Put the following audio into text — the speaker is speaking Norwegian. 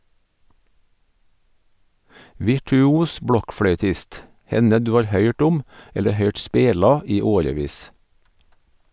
Virtuos blokkfløytist, henne du har høyrt om, eller høyrt spela, i årevis.